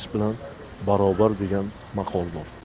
quduq qazish bilan barobar degan maqol bor